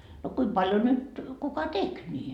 no kuinka paljon nyt kuka teki niin